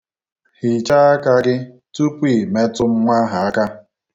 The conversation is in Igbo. Hichaa aka gị tupu ị metụ nnwa ahụ aka.